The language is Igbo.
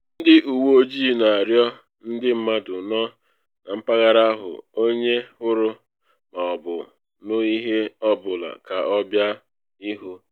Ndị uwe ojii na arịọ ndị mmadụ nọ na mpaghara ahụ onye hụrụ ma ọ bụ nụ ihe ọ bụla ka ọ bịa ihu.